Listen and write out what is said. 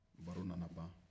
baro nana ban